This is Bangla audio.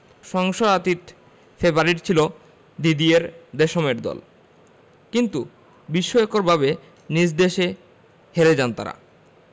সংশয়াতীত ফেভারিট ছিল দিদিয়ের দেশমের দল কিন্তু বিস্ময়করভাবে নিজ দেশে হেরে যায় তারা